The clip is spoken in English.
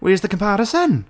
Where's the comparison?